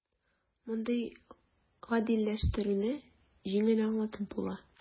Мондый "гадиләштерү"не җиңел аңлатып була: